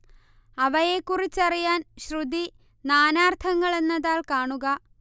അവയെക്കുറിച്ചറിയാൻ ശ്രുതി നാനാർത്ഥങ്ങൾ എന്ന താൾ കാണുക